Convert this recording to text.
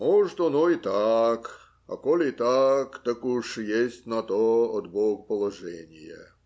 Может, оно так, а коли и так, так уж есть на то от бога положение.